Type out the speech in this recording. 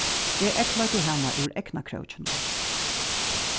eg eygleiddi hana úr eygnakrókinum